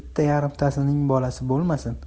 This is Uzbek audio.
bitta yarimtasining bolasi bo'lmasin